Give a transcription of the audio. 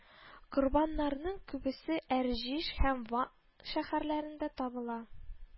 Корбаннарның күбесе Әрҗиш һәм Ван шәһәрләрендә табыла